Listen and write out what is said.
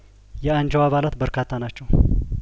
የአንጃው አባላት በርካታ ናቸው